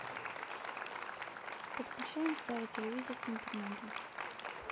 подключаем старый телевизор к интернету